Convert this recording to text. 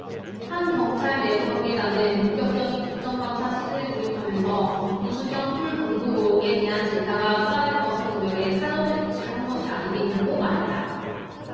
한 경찰 내부관계자는 본격적인 국정감사 시즌에 돌입하면서 우수경 꿀근무 의혹에 대한 질타가 쏟아질 것을 우려해 사전에 조치를 한 것이 아니겠냐고 말했다